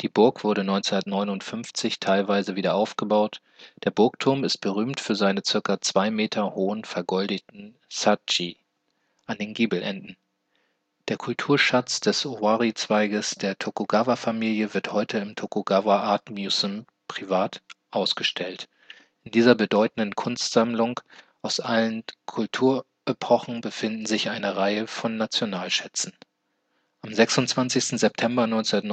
Burg wurde 1959 teilweise wieder aufgebaut, der Burgturm ist berühmt für seine beiden circa 2 m hohen vergoldeten " Shachi " (鯱) an den Giebelenden. Der Kulturschatz des Owari-Zweiges der Tokugawa-Familie wird heute im Tokugawa-Art-Museum (privat) ausgestellt. In dieser bedeutenden Kunstsammlung aus allen Kulturepochen befinden sich eine Reihen von Nationalschätzen. Am 26. September 1959